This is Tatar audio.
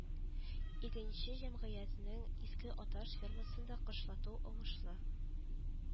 Игенче җәмгыятенең Иске Аташ фермасында кышлату уңышлы